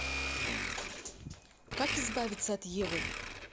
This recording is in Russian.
как избавиться от евы